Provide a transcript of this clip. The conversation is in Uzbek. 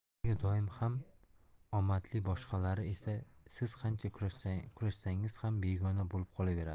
nega doim ham omadli boshqalari esa siz qancha kurashsangiz ham begona bo'lib qolaveradi